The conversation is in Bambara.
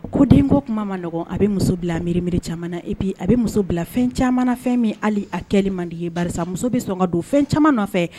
Ko den ko kuma ma nɔgɔ a bɛ muso bila miiriiriri caman epi a bɛ muso bila fɛn caman fɛn min hali a kɛli mandi ye karisa muso bɛ sɔn ka don fɛn caman nɔfɛ